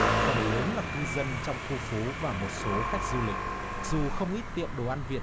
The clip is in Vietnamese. phần lớn là cư dân trong khu phố và một số khách du lịch dù không ít tiệm đồ ăn việt